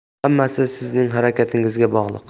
hammasi sizning harakatingizga bog'liq